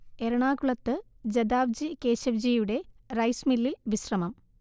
എറണാകുളത്ത് ജദാവ്ജി കേശവ്ജിയുടെ റൈസ് മില്ലിൽ വിശ്രമം